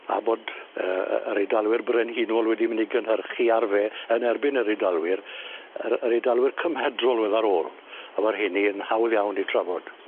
a bod yy yy yr Eidalwyr brenhinol wedi mynd i gynhyrchu arfe yn erbyn yr Eidalwyr yr yr Eidalwyr cymhedrol oedd ar ôl a ro' rheiny yn hawdd iawn i'w trafod.